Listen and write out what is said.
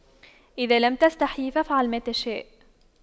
اذا لم تستحي فأفعل ما تشاء